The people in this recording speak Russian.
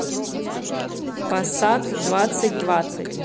пассат двадцать двадцать